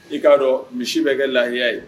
I k'a dɔn misi bɛ kɛ laya ye